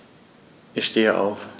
Ich stehe auf.